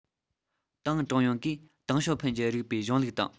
ཏང ཀྲུང དབྱང གིས ཏེང ཞའོ ཕིན གྱི རིགས པའི གཞུང ལུགས དང